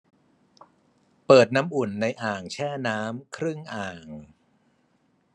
เปิดน้ำอุ่นในอ่างแช่น้ำครึ่งอ่าง